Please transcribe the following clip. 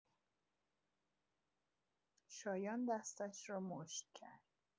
شایان دستش را مشت کرد.